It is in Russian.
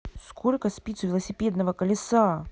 сколько спиц у велосипедного колеса